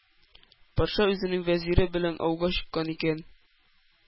Патша үзенең вәзире белән ауга чыккан икән.